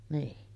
niin